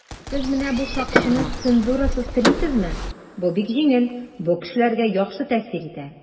"сез менә бу шакшыны цензурасыз телисезме?" - бу бик җиңел, бу кешеләргә яхшы тәэсир итә.